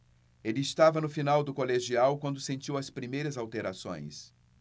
ele estava no final do colegial quando sentiu as primeiras alterações